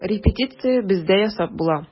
Репетиция бездә ясап була.